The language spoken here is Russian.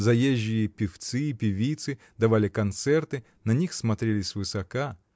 Заезжие певцы и певицы давали концерты, на них смотрели свысока.